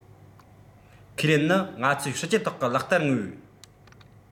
ཁས ལེན ནི ང ཚོའི སྲིད ཇུས ཐོག གི ལག བསྟར ངོས